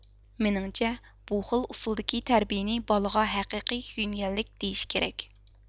مېنىڭچە بۇ خىل ئۇسۇلدىكى تەربىيىنى بالىغا ھەقىقىي كۆيۈنگەنلىك دېيىش كېرەك